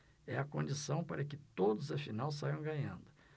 é a condição para que todos afinal saiam ganhando